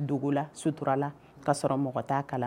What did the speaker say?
Dogo la sutura la ka sɔrɔ mɔgɔ t kalan